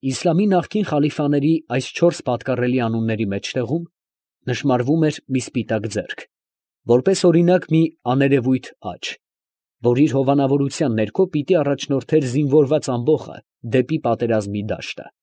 Իսլամի նախկին խալիֆաների այս չորս պատկառելի անունների մեջտեղում նշմարվում էր մի սպիտակ ձեռք, որպես օրինակ մի աներևույթ աջ, որ իր հովանավորության ներքո պիտի առաջնորդեր զինվորված ամբոխը դեպի պատերազմի դաշտը։